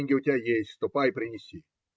Деньги у тебя есть: ступай и принеси.